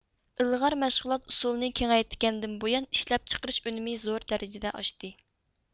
ئىلغار مەشغۇلات ئۇسۇلىنى كېڭيتكەندىن بۇيان ئىشلەپچىقىرىش ئۈنۈمى زور دەرىجىدە ئاشتى